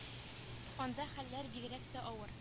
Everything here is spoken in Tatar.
Анда хәлләр бигрәк тә авыр